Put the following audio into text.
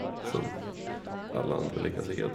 Som alle andre liker, sikkert.